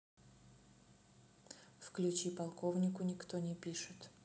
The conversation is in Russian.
включи полковнику никто не пишет